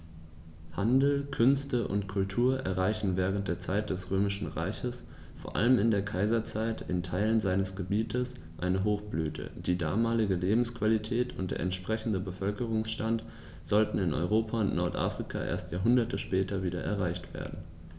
Handel, Künste und Kultur erreichten während der Zeit des Römischen Reiches, vor allem in der Kaiserzeit, in Teilen seines Gebietes eine Hochblüte, die damalige Lebensqualität und der entsprechende Bevölkerungsstand sollten in Europa und Nordafrika erst Jahrhunderte später wieder erreicht werden.